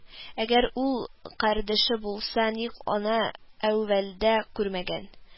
Әгәр ул кардәше булса, ник аны әүвәлдә күрмәгән